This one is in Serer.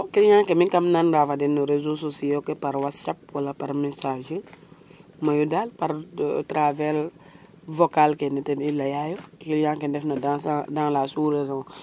non client kemi kam nan re fa den no reseau sociaux ke par watshap wala par messager mayu dal à travers vocal ke ten leya yo client ke ndef na dans la sous région